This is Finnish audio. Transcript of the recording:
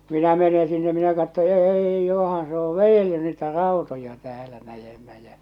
minä menen sinne minä katson ei johan se on vedellyt niitä rautoja täällä näemmä ja